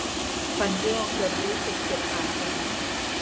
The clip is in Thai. ฟันโยกจนรู้สึกเจ็บปากไปหมด